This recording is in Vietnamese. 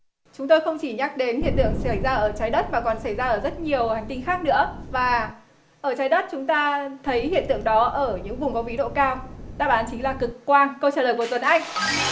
chúng tôi không chỉ nhắc đến hiện tượng xảy ra ở trái đất mà còn xảy ra ở rất nhiều hành tinh khác nữa và ở trái đất chúng ta thấy hiện tượng đó ở những vùng có vĩ độ cao đáp án chính là cực quang câu trả lời của tuấn anh